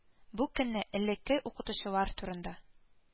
Бу көнне элекке укытучылар турында